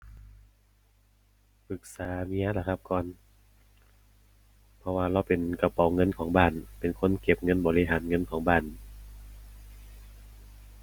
ปรึกษาเมียล่ะครับก่อน เพราะว่าเลาเป็นกระเป๋าเงินของบ้าน เป็นคนเก็บเงิน บริหารเงินของบ้าน